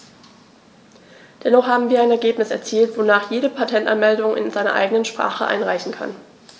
Dennoch haben wir ein Ergebnis erzielt, wonach jeder Patentanmeldungen in seiner eigenen Sprache einreichen kann.